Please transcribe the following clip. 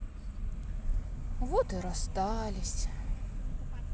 вот и расстались